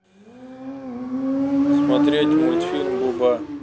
смотреть мультфильм буба